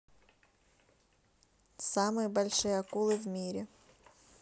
самые большие акулы в мире